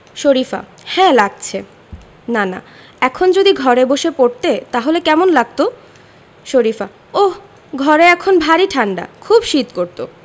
শরিফা হ্যাঁ লাগছে নানা এখন যদি ঘরে বসে পড়তে তাহলে কেমন লাগত শরিফা ওহ ঘরে এখন ভারি ঠাণ্ডা খুব শীত করত